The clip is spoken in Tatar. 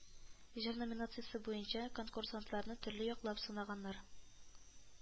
Җыр номинациясе буенча конкурсантларны төрле яклап сынаганнар